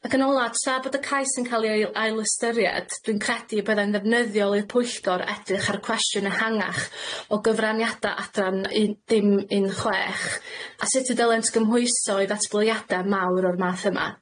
Ac yn ola, tra bod y cais yn ca'l ei ail- ailystyried, dwi'n credu y bydde'n ddefnyddiol i'r pwyllgor edrych ar y cwestiwn ehangach o gyfraniada adran un dim un chwech, a sut y dylent gymhwyso i ddatblygiade mawr o'r math yma.